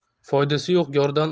foydasi yo'q yordan